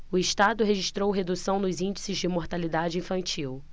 o estado registrou redução nos índices de mortalidade infantil